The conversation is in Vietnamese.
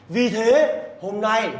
vì thế hôm nay